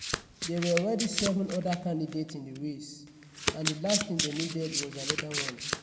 "There were already seven other candidates in the race, and the last thing they needed was another one.